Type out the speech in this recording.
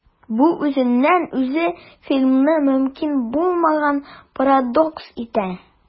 Бу үзеннән-үзе фильмны мөмкин булмаган парадокс итә.